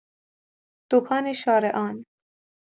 دکان شارعان